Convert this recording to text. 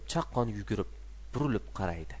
chaqqon yugurib burilib qaraydi